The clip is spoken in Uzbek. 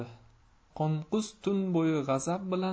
qonqus tun bo'yi g'azab bilan